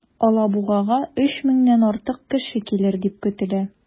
Алабугага 3 меңнән артык кеше килер дип көтелә.